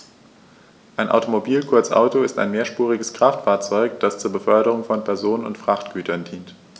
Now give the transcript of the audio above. Ein Automobil, kurz Auto, ist ein mehrspuriges Kraftfahrzeug, das zur Beförderung von Personen und Frachtgütern dient.